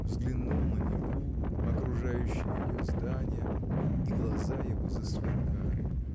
Взглянул на Неву, окружающие ее здания – и глаза его засверкали.